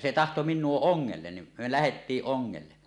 se tahtoi minua ongelle niin me lähdettiin ongelle